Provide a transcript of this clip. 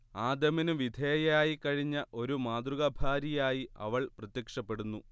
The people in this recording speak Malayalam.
ആദമിനു വിധേയയായി കഴിഞ്ഞ ഒരു മാതൃകാഭാര്യയായി അവൾ പ്രത്യക്ഷപ്പെടുന്നു